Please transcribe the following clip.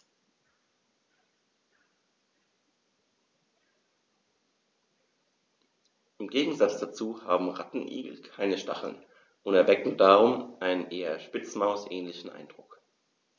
Im Gegensatz dazu haben Rattenigel keine Stacheln und erwecken darum einen eher Spitzmaus-ähnlichen Eindruck.